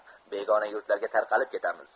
begona yurtlarga tarqalib ketamiz